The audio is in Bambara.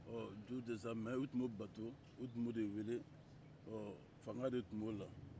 jo tɛ sa mɛ u tun b'o de bato o tun b'o de weele fanga de tun b'o la